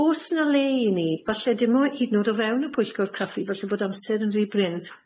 o's na le i ni falle dim o hyd yn o'd o fewn y pwyllgor craffu falle bod amser yn rhy brin.